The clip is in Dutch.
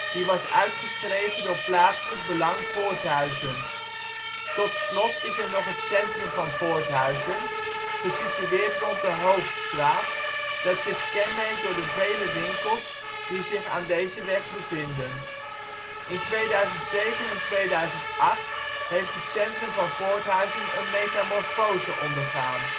die was uitgeschreven door Plaatselijk Belang Voorthuizen. Tot slot is er nog het centrum van Voorthuizen, gesitueerd rond de Hoofdstraat, dat zich kenmerkt door de vele winkels die zich aan deze weg bevinden. In 2007 en 2008 heeft het centrum van Voorthuizen een metamorfose ondergaan